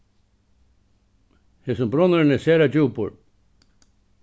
hesin brunnurin er sera djúpur